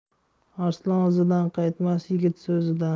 arslon izidan qaytmas yigit so'zidan